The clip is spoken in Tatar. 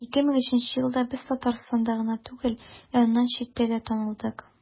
2003 елда без татарстанда гына түгел, ә аннан читтә дә танылдык.